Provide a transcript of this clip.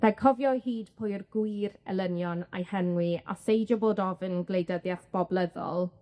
Rhaid cofio o hyd pwy yw'r gwir elynion a'u henwi, a pheidio bod ofyn gwleidyddieth boblyddol.